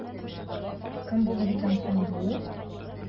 Кем булыр икән соң бу?